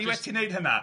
ni wedi wneud hynna,